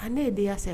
A ne ye de sɛ